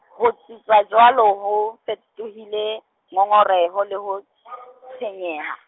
ho tsitsa jwale ho fetohile, ngongoreho le ho, tshwenyeha.